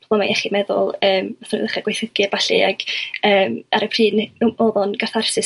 problema' iechyd meddwl yym nath n'w ddechra' gwaethygu a ballu ag yym ar y pryd o'ddo'n gatharsis